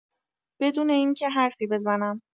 بدون اینکه حرفی بزنم